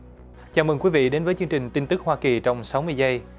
chào mừng quý vị đến với chương trình tin tức hoa kỳ trong sáu mươi giây